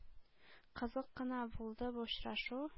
Кызык кына булды бу очрашу,